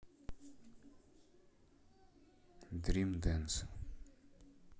дрим дэнс